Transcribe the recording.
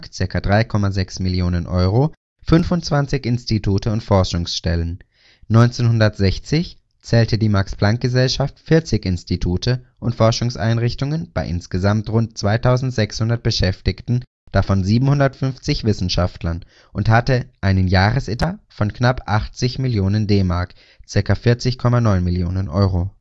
ca. 3,6 Mio. Euro) 25 Institute und Forschungsstellen. 1960 zählte die Max-Planck-Gesellschaft 40 Institute und Forschungseinrichtungen bei insgesamt rund 2.600 Beschäftigten, davon 750 Wissenschaftlern, und hatte einem Jahresetat von knapp 80 Millionen DM (ca. 40,9 Mio. Euro